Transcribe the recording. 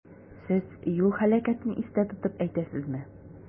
Сез юл һәлакәтен истә тотып әйтәсезме?